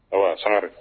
Sangare